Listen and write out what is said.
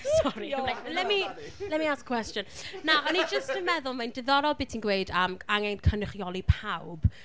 Sori. Lemme, let me ask a question. Na, o'n i jyst yn meddwl mae'n diddorol beth ti'n gweud am angen cynrychioli pawb.